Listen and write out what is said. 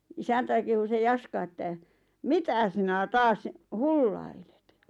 isäntä kehui se Jaska että mitä sinä taas hullailet